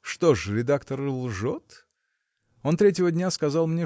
что ж редактор лжет? Он третьего дня сказал мне